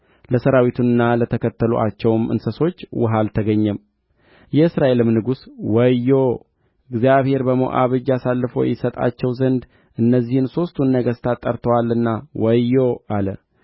ደግሞም በምን መንገድ እንሄዳለን አለ እርሱም በኤዶምያስ ምድረ በዳ መንገድ ብሎ መለሰ የእስራኤል ንጉሥና የይሁዳ ንጉሥ የኤዶምያስም ንጉሥ ሄዱ የሰባትም ቀን መንገድ ዞሩ